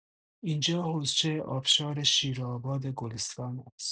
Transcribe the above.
اینجا حوضچه آبشار شیرآباد گلستان است.